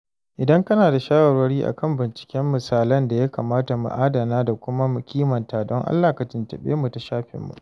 Idan kana da shawarwari a kan binciken misalan da ya kamata mu adana da kuma kimanta, don Allah ka tuntuɓe mu ta shafinmu.